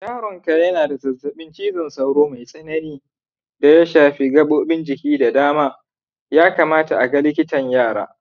yaronka yana da zazzaɓin cizon sauro mai tsanani da ya shafi gabobin jiki da dama, ya kamata a ga likitan yara